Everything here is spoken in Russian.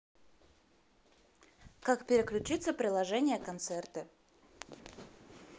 как переключиться приложение концерты